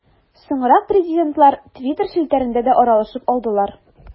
Соңрак президентлар Twitter челтәрендә дә аралашып алдылар.